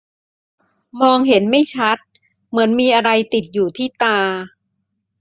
มองเห็นไม่ชัดเหมือนมีอะไรติดอยู่ที่ตา